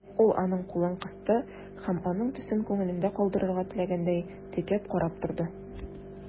Ул аның кулын кысты һәм, аның төсен күңелендә калдырырга теләгәндәй, текәп карап торды.